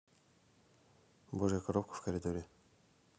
божья коровка в природе